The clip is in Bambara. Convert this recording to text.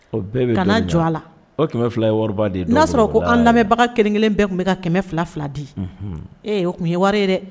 O bɛɛ bɛ kana jɔ a la o kɛmɛ fila ye de ye n'a sɔrɔ ko an lamɛnbaga kelen kelen bɛɛ tun bɛ ka kɛmɛ fila fila di ee o tun ye wari ye dɛ